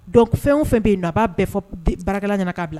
Dɔn fɛn o fɛn bɛ yen na a b'a fɔ baarakala ɲɛna k'a bila